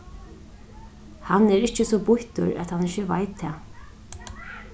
hann er ikki so býttur at hann ikki veit tað